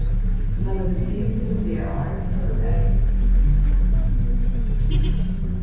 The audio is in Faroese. tú meldar teg til fimm dagar áðrenn stóra dagin